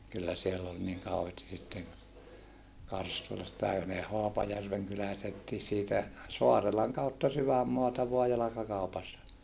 kyllä siellä oli niin kauheasti sitten Karstulastakin ja ne Haapajärven kyläläisetkin siitä Saarelan kautta sydänmaata vain jalkakaupassa